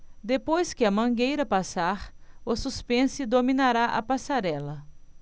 depois que a mangueira passar o suspense dominará a passarela